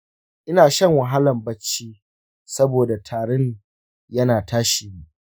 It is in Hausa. ina shan wahalan bacci saboda tarin yana tashi na.